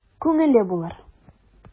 Күңеле булыр...